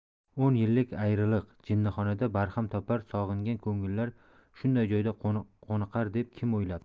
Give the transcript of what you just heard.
o'n yillik ayriliq jinnixonada barham topar sog'ingan ko'ngillar shunday joyda qoniqar deb kim o'ylabdi